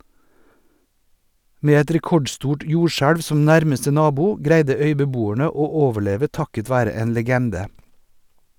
Med et rekordstort jordskjelv som nærmeste nabo, greide øybeboerne å overleve takket være en legende.